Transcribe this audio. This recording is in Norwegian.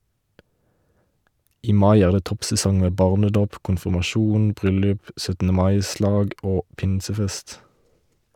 I mai er det toppsesong med barnedåp, konfirmasjon, bryllup, 17. mai-slag og pinsefest.